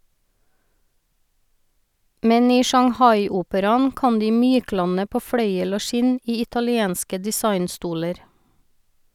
Men i Shanghai-operaen kan de myklande på fløyel og skinn i italienske designstoler.